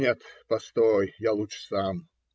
- Нет, постой, я лучше сам.